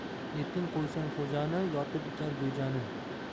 erkin qo'ysang xo'jani yotib ichar go'jani